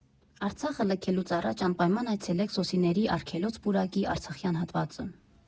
Արցախը լքելուց առաջ անպայման այցելեք սոսիների արգելոց֊պուրակի արցախյան հատվածը։